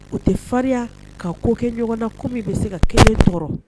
O tɛ farinya ka ko kɛ ɲɔgɔn na ko min bɛ se ka kelen tɔɔrɔ